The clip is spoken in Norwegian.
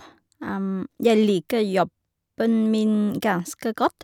Jeg liker jobben min ganske godt.